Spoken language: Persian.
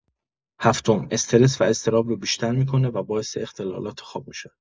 هفتم، استرس و اضطراب رو بیشتر می‌کنه و باعث اختلالات خواب می‌شه.